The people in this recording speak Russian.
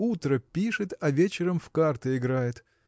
утро пишет, а вечером в карты играет.